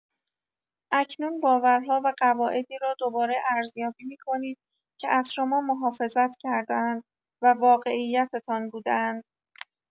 اکنون باورها و قواعدی را دوباره ارزیابی می‌کنید که از شما محافظت کرده‌اند و واقعیتتان بوده‌اند.